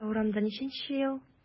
Ә урамда ничәнче ел?